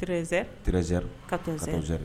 Zzrizri